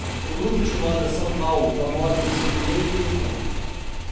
o grupo de moda são paulo promove o seu primeiro encontro